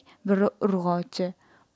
biri urg'ochi